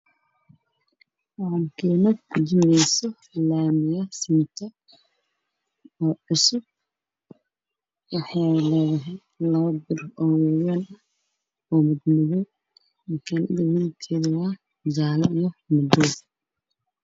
Halkaan waxaa ka muuqdo cagcagaf jaalo iyo madaw ah oo laamiga dhex taagan